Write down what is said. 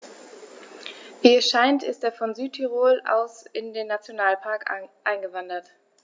Wie es scheint, ist er von Südtirol aus in den Nationalpark eingewandert.